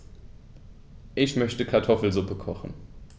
Ich möchte Kartoffelsuppe kochen.